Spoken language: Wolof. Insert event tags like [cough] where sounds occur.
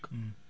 [hesitation] [hesitation]